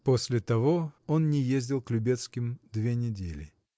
После того он не ездил к Любецким две недели.